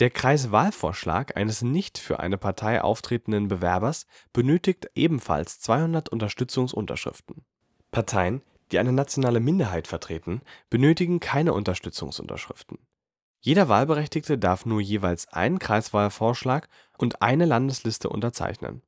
Kreiswahlvorschlag eines nicht für eine Partei auftretenden Bewerbers benötigt ebenfalls 200 Unterstützungsunterschriften. Parteien, die eine nationale Minderheit vertreten, benötigen keine Unterstützungsunterschriften. Jeder Wahlberechtigte darf nur jeweils einen Kreiswahlvorschlag und eine Landesliste unterzeichnen